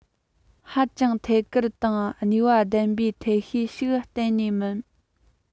ཧ ཅང ཐད ཀར དང ནུས པ ལྡན པའི ཐབས ཤེས ཞིག གཏན ནས མིན